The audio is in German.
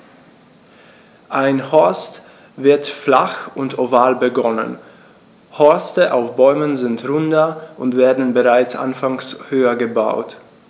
Ein Horst wird flach und oval begonnen, Horste auf Bäumen sind runder und werden bereits anfangs höher gebaut.